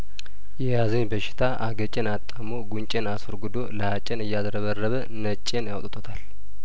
የያዘኝ በሽታ አገጬን አጣሞ ጉንጬን አሰርጉዶ ለሀጬን እያዝረበረበ ነጬን አውጥቶታል